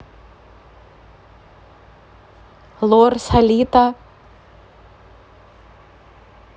лор салита